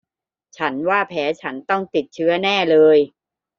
ฉันว่าแผลฉันต้องติดเชื้อแน่เลย